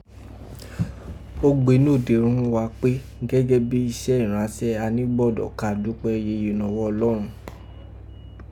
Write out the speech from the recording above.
o gbe node ghún wa pe gegebi ise iranse ani gbọ́dọ̀n ka dupe yéye nọwọ ọlọ́rọn,